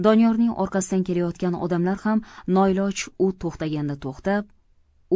doniyorning orqasidan kelayotgan odamlar ham noiloj u to'xtaganda to'xtab